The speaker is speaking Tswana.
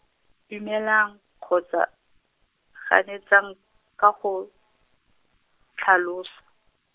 dumela, kgotsa, ganetsa, ka go, tlhalosa.